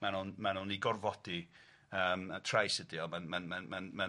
Mae nw'n mae nw'n ei gorfodi yym a trais ydy o, ma'n ma'n ma'n ma'n ma'n delwedd erchyll.